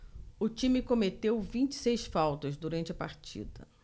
o time cometeu vinte e seis faltas durante a partida